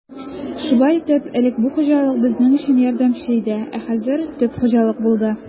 Шулай итеп, элек бу хуҗалык безнең өчен ярдәмче иде, ә хәзер төп хуҗалык булды.